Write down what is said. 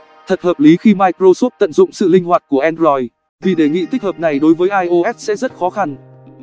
thật hợp lý khi microsoft tận dụng sự linh hoạt của android vì đề nghị tích hợp này đối với ios sẽ rất khó khăn